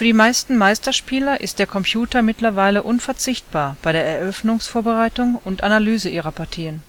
meisten Meisterspieler ist der Computer mittlerweile unverzichtbar bei der Eröffnungsvorbereitung und Analyse ihrer Partien